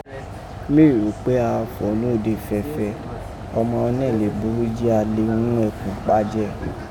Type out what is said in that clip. Méè rò pé a áà fọ̀ nóde féèfé, ọma ọnẹ lè buru ji a le ghun ẹkun pa jẹ.